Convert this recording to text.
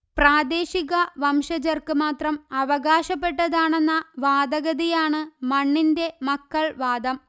പ്രാദേശിക വംശജർക്ക് മാത്രം അവകാശപ്പെട്ടതാണെന്ന വാദഗതിയാണ് മണ്ണിന്റെ മക്കൾ വാദം